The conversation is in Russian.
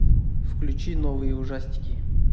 включи новые ужастики